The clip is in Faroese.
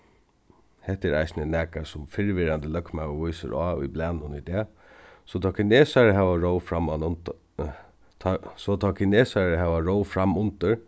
hetta er eisini nakað sum fyrrverandi løgmaður vísir á í blaðnum í dag so tá kinesarar hava róð tá so tá kinesarar hava róð framundir